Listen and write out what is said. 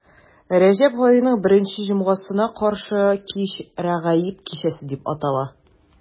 Рәҗәб аеның беренче җомгасына каршы кич Рәгаиб кичәсе дип атала.